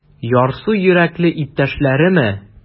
Ярсу йөрәкле иптәшләреме?